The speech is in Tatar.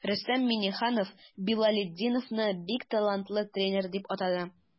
Рөстәм Миңнеханов Билалетдиновны бик талантлы тренер дип атады.